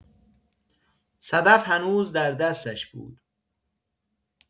صدف هنوز در دستش بود.